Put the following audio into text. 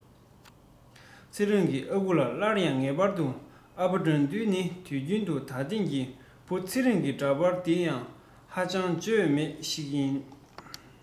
ཚེ རིང གི ཨ ཁུ ལ སླར ཡང ངེས པར དུ ཨ ཕ དགྲ འདུལ ནི དུས རྒྱུན དུ ད ཐེངས ཀྱི བུ ཚེ རིང གི འདྲ པར འདི ཡང ཨ ཅང བརྗོད མེད ཞིག ཡིན